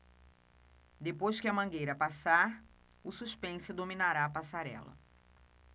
depois que a mangueira passar o suspense dominará a passarela